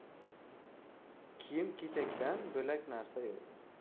kiyim kechakdan bo'lak narsa yoq